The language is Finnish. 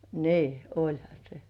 niin olihan se